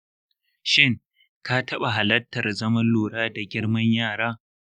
shin ka taɓa halartar zaman lura da girman yara?